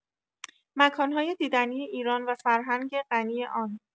مکان‌های دیدنی ایران و فرهنگ غنی آن